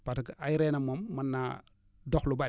parce que ay reenam moom mën naa dox lu bëri